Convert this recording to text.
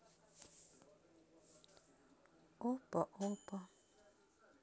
опа опа